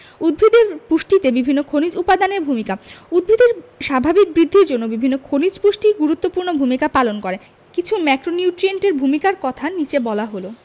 উদ্ভিদের পুষ্টিতে বিভিন্ন খনিজ উপাদানের ভূমিকা উদ্ভিদের স্বাভাবিক বৃদ্ধির জন্য বিভিন্ন খনিজ পুষ্টি গুরুত্বপূর্ণ ভূমিকা পালন করে কিছু ম্যাক্রোনিউট্রিয়েন্টের ভূমিকার কথা নিচে বলা হল